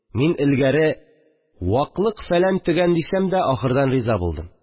Мин элгәре «ваклык, фәлән-төгән» дисәм дә, ахырдан риза булдым